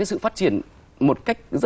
sự phát triển một cách rất